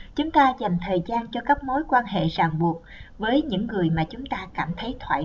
chúng tôi dành thời gian cho các mối quan hệ ràng buộc với những người mà chúng ta cảm thấy thoải mái